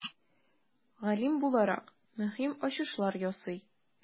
Галим буларак, мөһим ачышлар ясый.